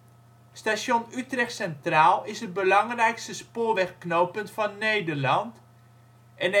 Station Utrecht Centraal is het belangrijkste spoorwegknooppunt van Nederland en